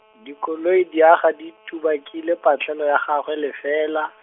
dikoloi di aga di tubakile patlelo ya gagwe lefela.